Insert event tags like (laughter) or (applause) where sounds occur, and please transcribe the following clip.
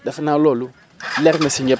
defe naa loolu (noise) war na si ñëpp